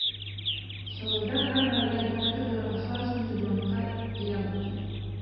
Чаллыда һәр гаилә агитаторлар аша шундый бланкка ия булды.